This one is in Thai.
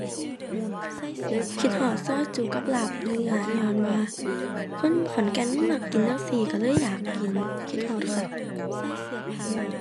คิดฮอดซอยจุ๊กับลาบเนื้อ ญ้อนว่า คนขอนแก่นมันมักกินจั่งซี้ ก็เลยอยากกิน คิดฮอดคัก